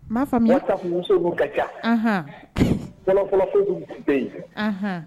Muso ka ja fɔlɔ bɛ yen